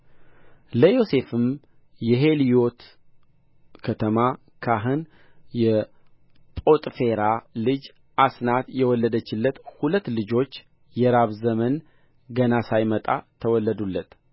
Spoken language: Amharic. ለዮሴፍም የሄልዮቱ ከተማ ካህን የጶጥፌራ ልጅ አስናት የወለደችለት ሁለት ልጆች የራብ ዘመን ገና ሳይመጣ ተወለዱለት